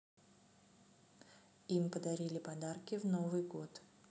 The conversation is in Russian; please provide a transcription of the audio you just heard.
им подарили подарки в новый год